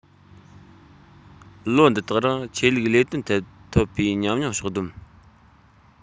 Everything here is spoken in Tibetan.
ལོ འདི དག རིང ཆོས ལུགས ལས དོན ཐད ཐོབ པའི ཉམས མྱོང ཕྱོགས སྡོམ